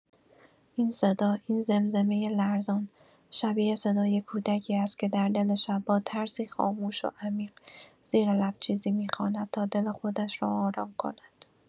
این صدا، این زمزمۀ لرزان، شبیه صدای کودکی است که در دل شب، با ترسی خاموش و عمیق، زیر لب چیزی می‌خواند تا دل خودش را آرام کند.